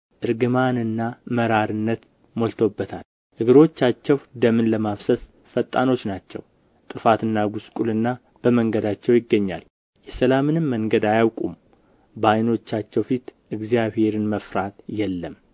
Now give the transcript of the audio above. እርግማንና መራርነት ሞልቶበታል እግሮቻቸው ደምን ለማፍሰስ ፈጣኖች ናቸው ጥፋትና ጉስቁልና በመንገዳቸው ይገኛል የሰላምንም መንገድ አያውቁም በዓይኖቻቸው ፊት እግዚአብሔርን መፍራት የለም